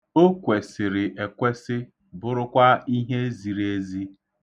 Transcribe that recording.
O kwesịrị ekwesị, bụrụkwa ihe ziri ezi.